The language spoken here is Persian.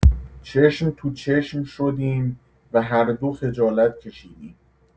چشم تو چشم شدیم و هر دو خجالت کشیدیم.